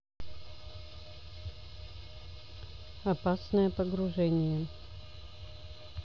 опасное погружение